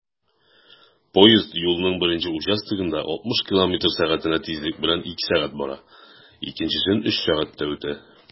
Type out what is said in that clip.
Поезд юлның беренче участогында 60 км/сәг тизлек белән 2 сәг. бара, икенчесен 3 сәгатьтә үтә.